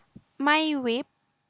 ไม่วิป